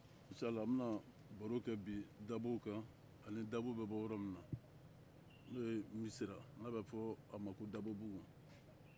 insala an bɛna baro kɛ bi dabow kan ani dabow bɛ bɔ yɔrɔ min n'o ye misira n'a bɛ fɔ a ma ko dabɔbugu